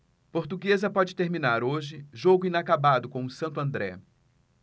portuguesa pode terminar hoje jogo inacabado com o santo andré